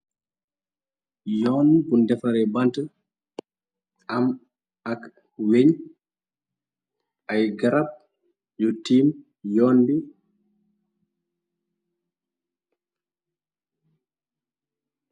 Yoon bu defare bant, am ak weñ, ay garab yu tiim yoon bi.